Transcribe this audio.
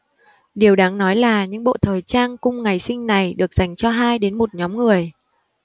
điều đáng nói là những bộ thời trang cung ngày sinh này được dành cho hai đến một nhóm người